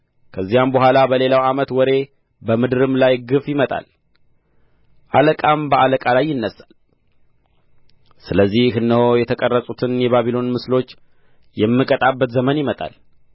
ከዚያም በኋላ በሌላው ዓመት ወሬ በምድርም ላይ ግፍ ይመጣል አለቃም በአለቃ ላይ ይነሣል ስለዚህ እነሆ የተቀረጹትን የባቢሎን ምስሎች የምቀጣበት ዘመን ይመጣል